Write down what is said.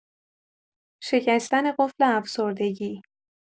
شکستن قفل افسردگی